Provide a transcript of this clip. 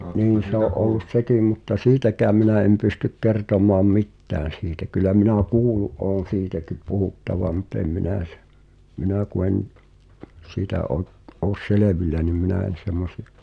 niin se on ollut sekin mutta siitäkään minä en pysty kertomaan mitään siitä kyllä minä kuullut olen siitäkin puhuttavan mutta en minä - minä kun en siitä ole ole selvillä niin minä en semmoisia